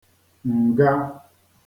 ǹga